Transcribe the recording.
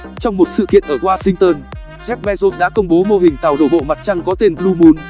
trong một sự kiện ở washington jeff bezos đã công bố mô hình tàu đổ bộ mặt trăng có tên blue moon